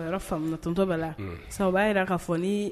A yɔrɔ famu na. Sisan Tonton Bala sisan o ba yira ka fɔ ni